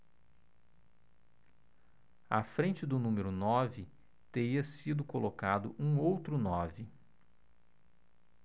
à frente do número nove teria sido colocado um outro nove